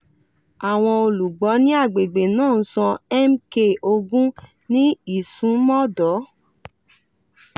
Àwọn olùgbọ́ ní agbègbè náà ń san MK20 (ní ìsúnmọ́dọ̀.